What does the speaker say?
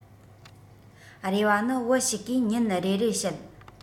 རེ བ ནི བུ ཞིག གིས ཉིན རེ རེ བཤད